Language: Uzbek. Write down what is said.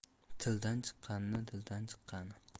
tildan chiqqani dildan chiqqani